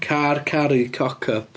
Car caru cock up.